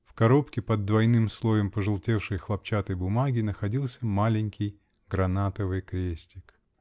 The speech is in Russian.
В коробке, под двойным слоем пожелтевшей хлопчатой бумаги, находился маленький гранатовый крестик.